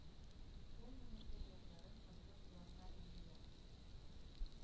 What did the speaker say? Ул моның фөрьядларын асла колакка элми дә.